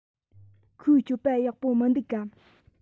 ཁོའི སྤྱོད པ ཡག པོ མི འདུག གམ